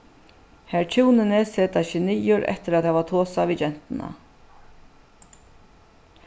har hjúnini seta seg niður eftir at hava tosað við gentuna